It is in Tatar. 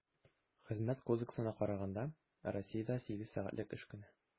Хезмәт кодексына караганда, Россиядә сигез сәгатьлек эш көне.